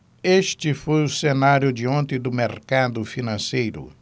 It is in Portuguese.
este foi o cenário de ontem do mercado financeiro